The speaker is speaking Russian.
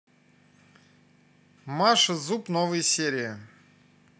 маша зуб новые серии